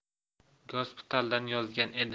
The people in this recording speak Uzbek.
gospitaldan yozgan edi